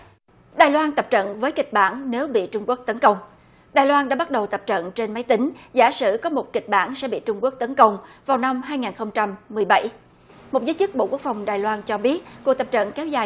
đài loan tập trận với kịch bản nếu bị trung quốc tấn công đài loan đã bắt đầu tập trận trên máy tính giả sử có một kịch bản sẽ bị trung quốc tấn công vào năm hai ngàn không trăm mười bảy một giới chức bộ quốc phòng đài loan cho biết cuộc tập trận kéo dài